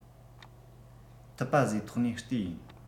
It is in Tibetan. ཐུབ པ བཟོས ཐོག ནས ལྟས ཡིན